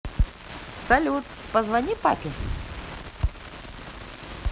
салют позвони папе